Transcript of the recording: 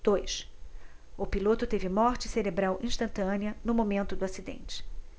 dois o piloto teve morte cerebral instantânea no momento do acidente